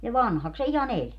ja vanhaksi se ihan eli